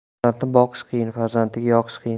farzandni boqish qiyin farzandga yoqish qiyin